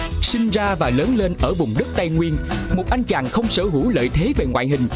sinh ra và lớn lên ở vùng đất tây nguyên một anh chàng không sở hữu lợi thế về ngoại hình